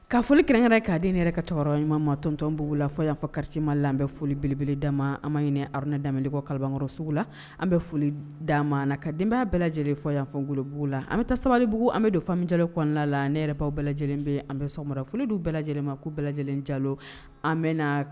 Ka folikɛrɛnɛrɛ'a den yɛrɛ ka cɛkɔrɔba ɲuman matɔntɔnon b la fɔ y yananfa karima la bɛ foli belebeledama an ma ɲiniinɛ aɛ daminɛ kɔ kalikɔrɔ sugu la an bɛ foli da ma na ka denbaya bɛɛ lajɛlen fɔ yan ɲɛfɔbugu la an bɛ ta sabaliribugu an bɛ don fanmijaele kɔn la ne yɛrɛbagaw bɛɛ lajɛlen bɛ an bɛ soma foli don bɛɛ lajɛlen ma ko bɛɛ lajɛlen jalo an bɛna